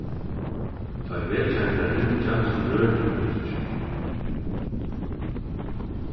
tá ið vekjarin fer at ringja so røri eg meg ikki